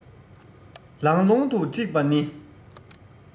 ལང ལོང དུ འཁྲིགས པ ནི